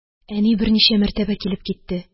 Әни берничә мәртәбә килеп китте